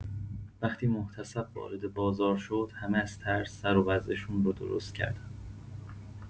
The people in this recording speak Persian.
وقتی محتسب وارد بازار شد همه از ترس سر و وضعشون رو درست‌کردن.